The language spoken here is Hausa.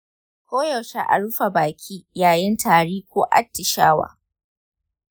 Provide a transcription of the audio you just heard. koyaushe a rufe baki yayin tari ko atishawa.